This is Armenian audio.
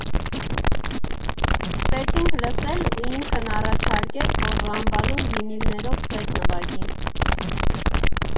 Սկսեցինք լսել ու ինքն առաջարկեց, որ Ռամբալում վինիլներով սեթ նվագի։